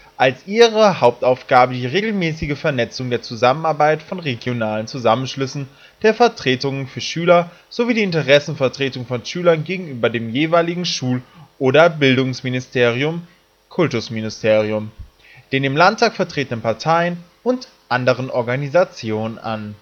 ihre Hauptaufgaben die regelmäßige Vernetzung der Zusammenarbeit von regionalen Zusammenschlüssen, der Vertretungen für Schüler sowie die Interessenvertretung von Schülern gegenüber dem jeweiligen Schul - oder Bildungsministerium (Kultusministerium), den im Landtag vertretenen Parteien und anderen Organisationen, an